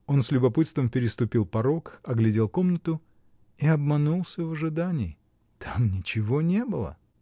Он с любопытством переступил порог, оглядел комнату и — обманулся в ожидании: там ничего не было!